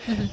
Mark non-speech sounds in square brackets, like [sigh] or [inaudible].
[hesitation] [hesitation]